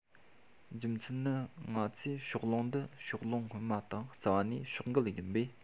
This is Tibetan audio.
རྒྱུ མཚན ནི ང ཚོས ཕྱོགས ལྷུང འདི ཕྱོགས ལྷུང སྔོན མ དང རྩ བ ནས ཕྱོགས འགལ ཡིན པས